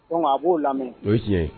O nka a b'o lamɛn oo si